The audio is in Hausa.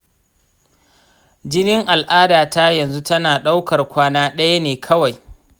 jinin al’adata yanzu tana ɗaukar kwana ɗaya ne kawai.